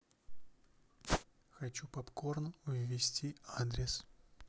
хочу попкорн ввести адрес